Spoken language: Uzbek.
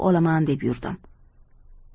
olaman deb yurdim